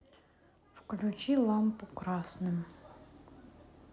включи лампу красным